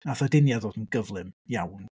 Wnaeth aduniad ddod yn gyflym iawn.